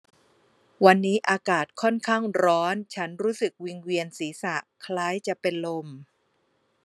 วันนี้อากาศค่อนข้างร้อนฉันรู้สึกวิงเวียนศีรษะคล้ายจะเป็นลม